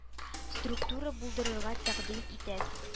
Структура булдырырга тәкъдим итәсез